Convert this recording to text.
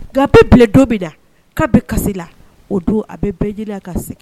Nka bɛɛ bila dɔ bɛ la k' bɛ kasi la o don a bɛ bɛɛji ka segin